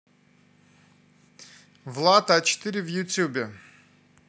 влад а четыре в ютубе